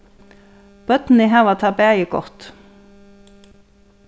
børnini hava tað bæði gott